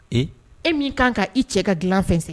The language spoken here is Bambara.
Ee e min kan ka i cɛ ka dilan fɛ fɛ